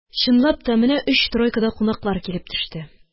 Чынлап та, менә өч тройкада кунаклар килеп төште